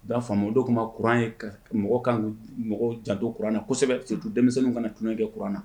y'a faamu dɔw tun ma kuran ye mɔgɔ kan mɔgɔ janto kuran na kosɛbɛ denmisɛnninw kana tulonkɛ kɛ kuran na